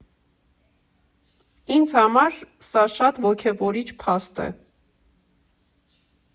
Ինձ համար սա շատ ոգևորիչ փաստ է։